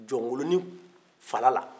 jɔnkolonni fala la